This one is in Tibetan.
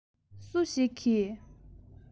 སུ ཞིག གིས